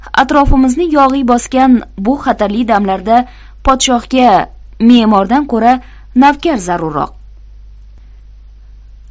atrofimizni yog'iy bosgan bu xatarli damlarda podshohga me'mordan ko'ra navkar zarurroq